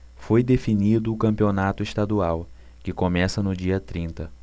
foi definido o campeonato estadual que começa no dia trinta